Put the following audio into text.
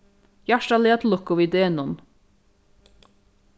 hjartaliga til lukku við degnum